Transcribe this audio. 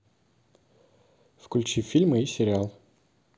включи фильмы и сериал